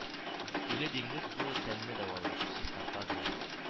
Үле диңгез суы тәнне дәвалый, чистарта, диләр